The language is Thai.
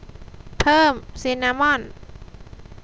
เพิ่มซินนามอน